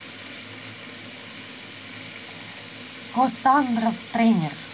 костандов тренер